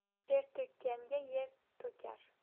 ter to'kkanga yer to'kar